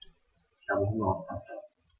Ich habe Hunger auf Pasta.